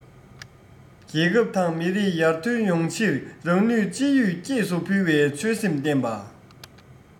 རྒྱལ ཁབ དང མི རིགས ཡར ཐོན ཡོང ཕྱིར རང ནུས ཅི ཡོད སྐྱེས སུ འབུལ བའི ཆོད སེམས བརྟན པ